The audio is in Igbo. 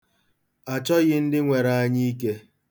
A chọghị ndị nwere anyiike.